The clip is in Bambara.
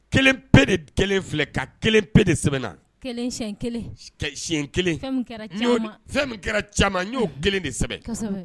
Kelen pe de kelen filɛ nka kelen pe de sɛbɛnna .fɛn min kɛra cama no kelen de sɛbɛn na.